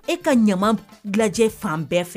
E ka ɲaman b lajɛ faan bɛɛ fɛ